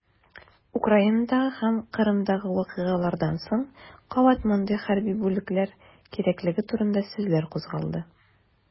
Украинадагы һәм Кырымдагы вакыйгалардан соң кабат мондый хәрби бүлекләр кирәклеге турында сүзләр кузгалды.